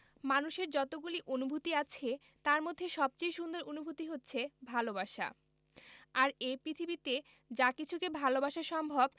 মানুষের যতগুলো অনুভূতি আছে তার মাঝে সবচেয়ে সুন্দর অনুভূতি হচ্ছে ভালোবাসা আর এই পৃথিবীতে যা কিছুকে ভালোবাসা সম্ভব